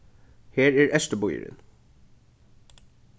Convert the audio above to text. her er eysturbýurin